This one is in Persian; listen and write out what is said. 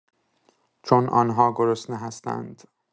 چون آن‌ها گرسنه هستند.